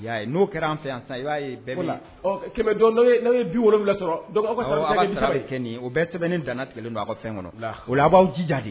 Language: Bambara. I y'a ye n'o kɛr'an fɛ yan san i b'a ye bɛɛ bi o 100 dɔn dɔnni n'a ye 70 sɔrɔ donc aw ka sara be kɛ ni jumɛ ye awɔ a' ka sara be kɛ nin ye o bɛɛ sɛbɛnnen dannatigɛlen don aw ka fɛn kɔnɔ lah ola aw b'aw jija de